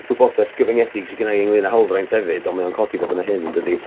Gwybodaeth gyfyngedig sy gynna i o ran hawlfraint hefyd ond mae o'n codi bob hyn a hyn dydy?